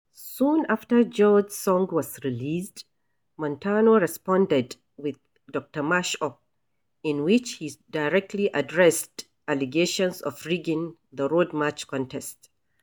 Soon after George’s song was released, Montano responded with "Dr. Mashup", in which he directly addressed allegations of rigging the Road March contest: